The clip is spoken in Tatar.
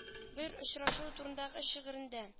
Бер очрашуы турындагы шигырендә